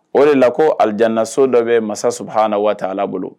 O de la ko alidiyanaso dɔ bɛ masa subuhaanahu wata ala bolo